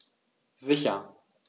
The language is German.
Sicher.